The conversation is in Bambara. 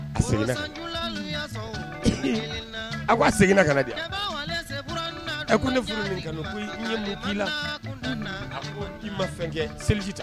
A segin na. A ka segin na ka na de wa?. A ko ne furu ni ne kanu n ye mun ki la? A ko i ma fin kɛ seliji ta.